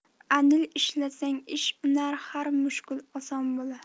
anil ishlasang ish unar har mushkul oson bo'lar